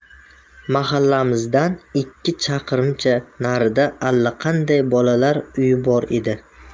mahallamizdan ikki chaqirimcha narida allaqanday bolalar uyi bor edi